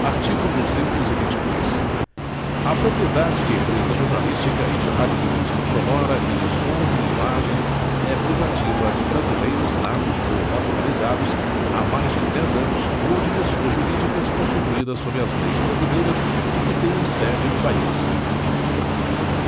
artigo duzentos e vinte e dois a propriedade de empresa jornalística e de radiodifusão sonora e de sons e imagens é privativa de brasileiros natos ou naturalizados há mais de dez anos ou de pessoas jurídicas constituídas sob as leis brasileiras e que tenham sede no país